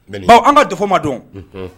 Bon an ka défaut ma don